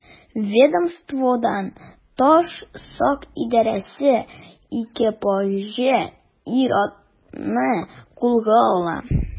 Ведомстводан тыш сак идарәсе экипажы ир-атны кулга ала.